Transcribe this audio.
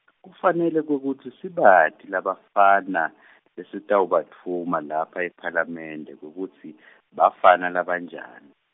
kufanele kwekutsi sibati labafana , lesitawubatfuma lapha ephalamende kwekutsi , bafana labanjani.